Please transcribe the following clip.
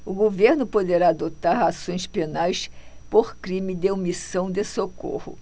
o governo poderá adotar ações penais por crime de omissão de socorro